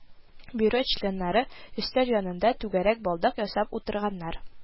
Бюро членнары өстәл янында түгәрәк балдак ясап утырганнар